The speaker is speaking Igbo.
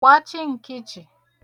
gbachi n̄kị̄chì